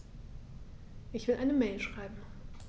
Ich will eine Mail schreiben.